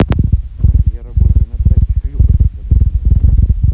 я работаю на трассе шлюхой подзаборной